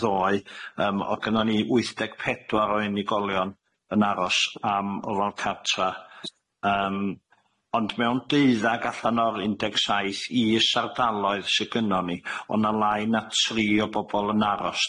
ddoe yym o' gynnon ni wyth deg pedwar o unigolion yn aros am ofal cartra yym ond mewn deuddag allan o'r un deg saith is-ardaloedd sy gynnon ni o' na lai na tri o bobol yn aros